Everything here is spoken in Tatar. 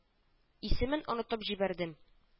Исемен онытып җибәрдем…